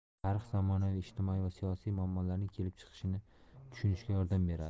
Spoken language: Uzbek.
tarix zamonaviy ijtimoiy va siyosiy muammolarning kelib chiqishini tushunishga yordam beradi